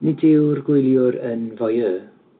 Nid yw'r gwyliwr yn voyeur.